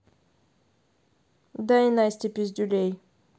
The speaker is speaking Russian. дай настя пиздюлей